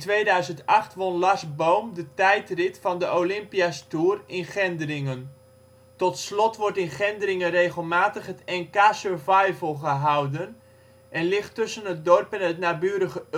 2008 won Lars Boom de tijdrit van de Olympia 's Tour in Gendringen. Tot slot wordt in Gendringen regelmatig het NK Survival gehouden en ligt tussen het dorp en het naburige